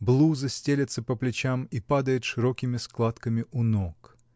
блуза стелется по плечам и падает широкими складками у ног.